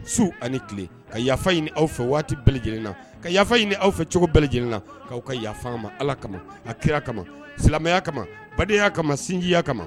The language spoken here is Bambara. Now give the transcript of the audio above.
Su ani tile, ka yafa ɲini aw fɛ waati bɛɛ lajɛlen na, ka yafa ɲini aw fɛ cogo bɛɛ lajɛlen na, k'aw ka yafa an ma Ala kama, a kira kama, silamɛya kama, badenya kama, sinjiya kama.